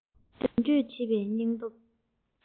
མདུན སྐྱོད བྱེད པའི སྙིང སྟོབས